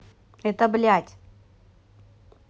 это блядь